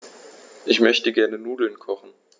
Ich möchte gerne Nudeln kochen.